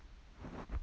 мисс скарлетт и герцог